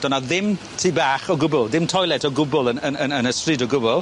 Do' 'na ddim tŷ bach o gwbwl, dim toilet o gwbwl yn yn yn y stryd o gwbwl.